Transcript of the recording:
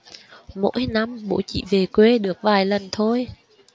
mỗi năm bố chỉ về quê được vài lần thôi